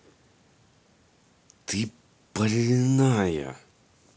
ты больная